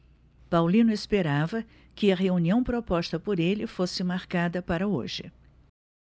paulino esperava que a reunião proposta por ele fosse marcada para hoje